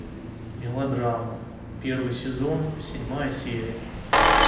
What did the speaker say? мылодрама первый сезон седьмая серия